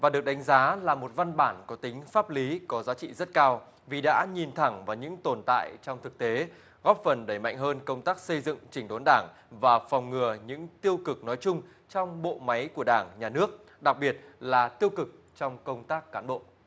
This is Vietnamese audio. và được đánh giá là một văn bản có tính pháp lý có giá trị rất cao vì đã nhìn thẳng vào những tồn tại trong thực tế góp phần đẩy mạnh hơn công tác xây dựng chỉnh đốn đảng và phòng ngừa những tiêu cực nói chung trong bộ máy của đảng nhà nước đặc biệt là tiêu cực trong công tác cán bộ